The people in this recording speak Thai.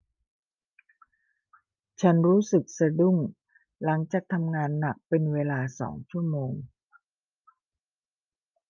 ฉันรู้สึกสะดุ้งหลังจากทำงานหนักเป็นเวลาสองชั่วโมง